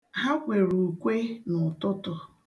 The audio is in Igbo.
Ha kwere ukwe n'ụtụtụ.